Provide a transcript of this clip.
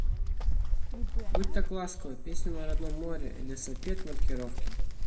будь так ласково песня на родном море лесопед маркировки